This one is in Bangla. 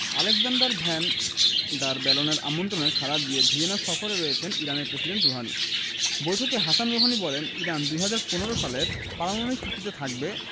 আলেক্সান্ডার ভ্যান ডার বেলেনের আমন্ত্রণে সাড়া দিয়ে ভিয়েনা সফরে রয়েছেন ইরানের প্রেসিডেন্ট রুহানি বৈঠকে হাসান রুহানি বলেন ইরান ২০১৫ সালের পারমাণবিক চুক্তিতে থাকবে